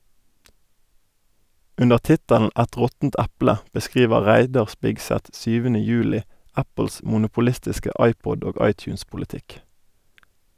Under tittelen "Et råttent eple" beskriver Reidar Spigseth 7. juli Apples monopolistiske iPod- og iTunes-politikk.